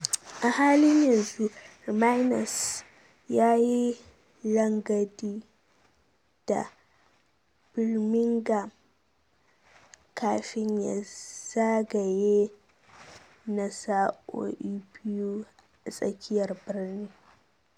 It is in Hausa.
A halin yanzu, Remainers ya yi rangadi ta Birmingham kafin ya yi zagaye na sa'oi biyu a tsakiyar birnin